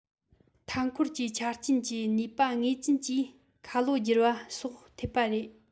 མཐའ འཁོར གྱི ཆ རྐྱེན གྱི ནུས པ ངེས ཅན གྱིས ཁ ལོ བསྒྱུར པ སོགས ཐེབས པ རེད